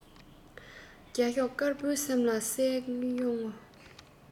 རྒྱ ཤོག དཀར པོའི སེམས ལ གསལ ཡོང ངོ